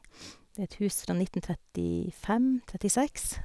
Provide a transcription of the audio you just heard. Det er et hus fra nitten trettifem trettiseks.